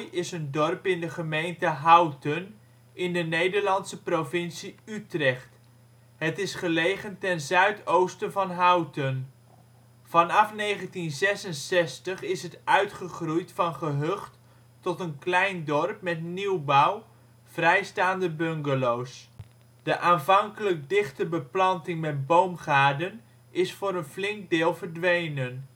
is een dorp in de gemeente Houten, in de Nederlandse provincie Utrecht; het is gelegen ten zuidoosten van Houten. Vanaf 1966 is het uitgegroeid van gehucht tot een klein dorp met nieuwbouw (vrijstaande bungalows). De aanvankelijk dichte beplanting met boomgaarden is voor een flink deel verdwenen